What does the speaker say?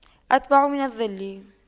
أتبع من الظل